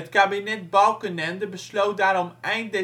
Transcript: kabinet Balkenende besloot daarom eind